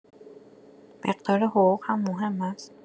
مقدار حقوق هم مهم هست؟